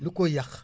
lu koy yàq